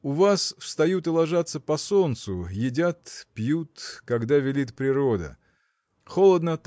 У вас встают и ложатся по солнцу, едят, пьют, когда велит природа холодно